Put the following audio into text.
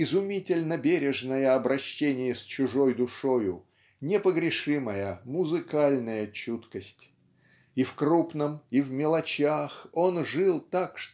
изумительно бережное обращение с чужой душою непогрешимая музыкальная чуткость. И в крупном и в мелочах он жил так